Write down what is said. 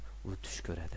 u tush ko'radi